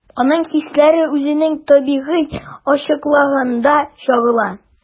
Аның хисләре үзенең табигый ачыклыгында чагыла.